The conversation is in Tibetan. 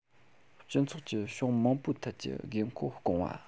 སྤྱི ཚོགས ཀྱི ཕྱོགས མང པོའི ཐད ཀྱི དགོས མཁོ སྐོང བ